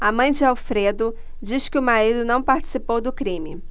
a mãe de alfredo diz que o marido não participou do crime